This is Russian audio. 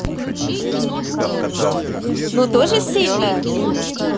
ну тоже сильная